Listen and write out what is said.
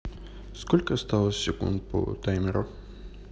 сколько осталось секунд по таймеру